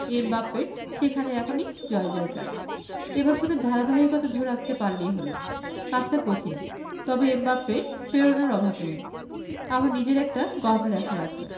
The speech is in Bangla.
এমবাপ্পের সেখানে এখনই জয়জয়কার এবার শুধু ধারাবাহিকতাটা ধরে রাখতে পারলেই হলো কাজটা কঠিন তবে এমবাপ্পের প্রেরণার অভাব নেই আমার নিজের একটা গল্প লেখার আছে